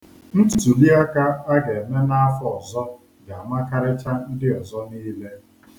Ntụliaka a ga-eme n'afọ ọzọ ga-amakarịcha ndị ọzọ niile.